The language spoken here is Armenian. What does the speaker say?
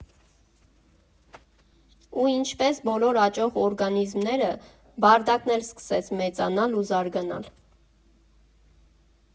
Ու ինչպես բոլոր աճող օրգանիզմները, «Բարդակն» էլ սկսեց մեծանալ ու զարգանալ։